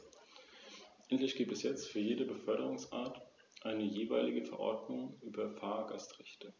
Die erste Herausforderung ist die Harmonisierung der nationalen Raumordnungs- und der regionalen Entwicklungspolitiken.